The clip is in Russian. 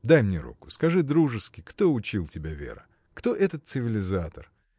Дай мне руку, скажи дружески, кто учил тебя, Вера, — кто этот цивилизатор?